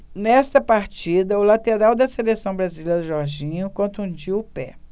nesta partida o lateral da seleção brasileira jorginho contundiu o pé